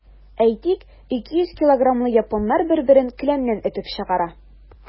Әйтик, 200 килограммлы японнар бер-берен келәмнән этеп чыгара.